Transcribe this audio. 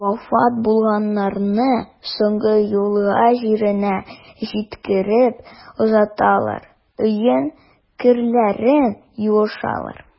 Вафат булганнарны соңгы юлга җиренә җиткереп озаталар, өен, керләрен юышалар.